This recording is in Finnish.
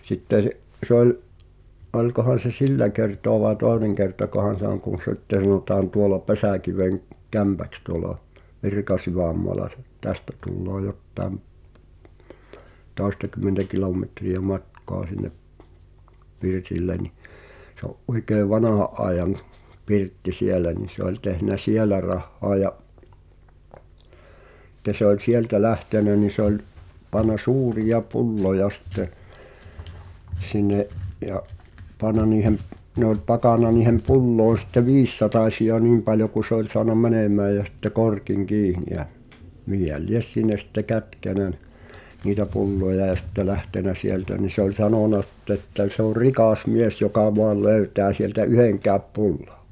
sitten se se oli olikohan se sillä kertaa vai toinen kertakohan se on kun sitten sanotaan tuolla - Pesäkivenkämpäksi tuolla Virkasydänmaalla se tästä tulee jotakin toistakymmentä kilometriä matkaa sinne pirtille niin se on oikein vanhan ajan pirtti siellä niin se oli tehnyt siellä rahaa ja sitten se oli sieltä lähtenyt niin se oli pannut suuria pulloja sitten sinne ja pannut niiden ne oli pakannut niihin pulloihin sitten viisisatasia niin paljon kuin se oli saanut menemään ja sitten korkin kiinni ja mihin lie sinne sitten kätkenyt ne niitä pulloja ja sitten lähtenyt sieltä niin se oli sanonut sitten että - se oli rikas mies joka vain löytää sieltä yhdenkään pullon